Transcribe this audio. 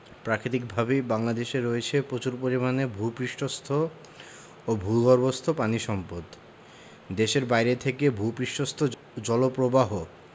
প্রাকৃতিকভাবেই বাংলাদেশের রয়েছে প্রচুর পরিমাণে ভূ পৃষ্ঠস্থ ও ভূগর্ভস্থ পানি সম্পদ দেশের বাইরে থেকে ভূ পৃষ্ঠস্থ জলপ্রবাহ